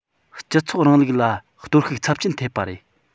སྤྱི ཚོགས རིང ལུགས ལ གཏོར བཤིག ཚབས ཆེན ཐེབས པ རེད